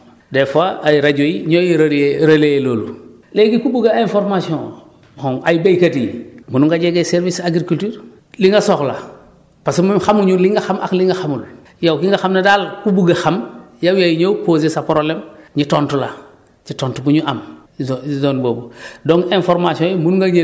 comme ñëpp mënuñu ko am des fois ay rajo yi ñooy relayer relayer loolu léegi ku bëgg information ay béykat yii mun nga jege service agriculture li nga soxla parce ñun xamuñu li nga xam ak li nga xamul yow li nga xam ne daal ku bugg xam yow yaay ñëw poser sa problème ñu tontu la ci tontu bi ñu am zo zone boobu